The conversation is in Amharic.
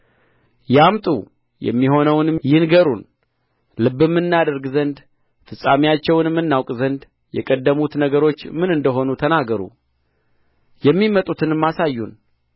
ያምጡ የሚሆነውንም ይንገሩን ልብም እናደርግ ዘንድ ፍጻሜአቸውንም እናውቅ ዘንድ የቀደሙት ነገሮች ምን እንደ ሆኑ ተናገሩ የሚመጡትንም አሳዩን